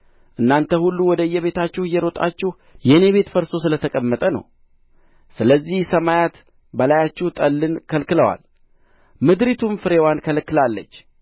እናንተ ሁሉ ወደ እየቤታችሁ እየሮጣችሁ የእኔ ቤት ፈርሶ ስለ ተቀመጠ ነው ስለዚህ ሰማያት በላያችሁ ጠልን ከልክለዋል ምድሪቱም ፍሬዋን ከልክላለች